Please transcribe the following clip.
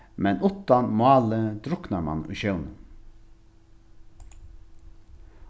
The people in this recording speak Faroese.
men uttan málið druknar mann í sjónum